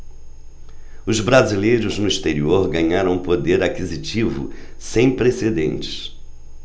os brasileiros no exterior ganharam um poder aquisitivo sem precedentes